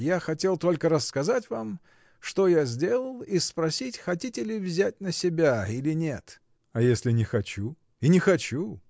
Я хотел только рассказать вам, что я сделал, и спросить, хотите взять на себя или нет? — А если не хочу? И не хочу!